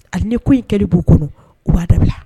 A ni ne ko in kɛ b' kɔnɔ u b'a dabila